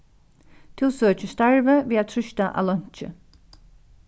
tú søkir starvið við at trýsta á leinkið